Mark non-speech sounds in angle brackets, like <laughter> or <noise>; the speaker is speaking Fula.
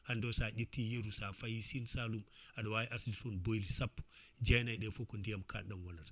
hande o sa ƴetti yeeru sa faayi Sine Saloum <breath> aɗa wawi asde toon boyli sappo jenayyi ɗe foof ko ndiyam kaɗɗam wonata